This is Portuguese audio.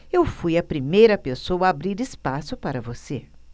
eu fui a primeira pessoa a abrir espaço para você